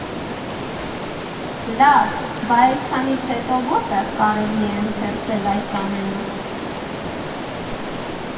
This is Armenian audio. Լավ, բա էսքանից հետո որտե՞ղ կարելի է ընթերցել այս ամենը։